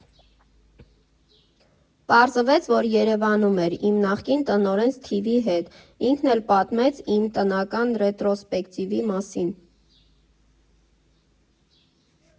Պարզվեց, որ Երևանում էր իմ նախկին տնօրեն Սթիվի հետ, ինքն էլ պատմել էր իմ տնական ռետրոսպեկտիվի մասին։